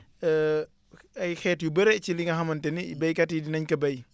ay xeet yu bëre ci li nga xamante ni béykat yi dinañ ka béy